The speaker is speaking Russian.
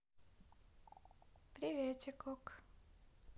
приветик ок